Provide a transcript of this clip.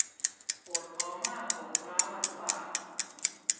ปวดคอมากปวดร้าวมาถึงบ่า